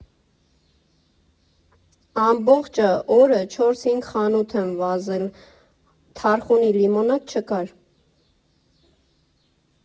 Ամբողջը օրը չորս֊հինգ խանութ եմ վազել, թարխունի լիմոնադ չկար։